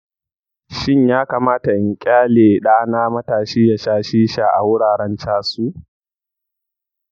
shin ya kamata in kyale ɗana matashi ya sha shisha a wuraren casu?